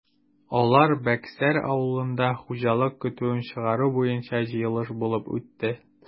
Алан-Бәксәр авылында хуҗалык көтүен чыгару буенча җыелыш булып үтте.